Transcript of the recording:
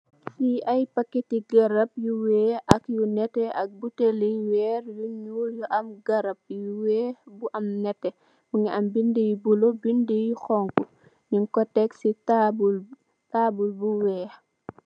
Li ay paketi grab you wex ak yu nete ay butale weer yu njul you am garab yu wex yu am nete mhgi am binda yu bula ak yu xonxu njong ko tek ci tabal bu wex